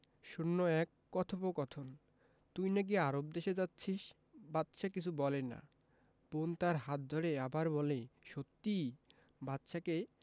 ০১ কথোপকথন তুই নাকি আরব দেশে যাচ্ছিস বাদশা কিছু বলে না বোন তার হাত ধরে আবার বলে সত্যি বাদশাকে